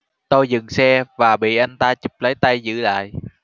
tôi dừng xe và bị anh ta chụp lấy tay giữ lại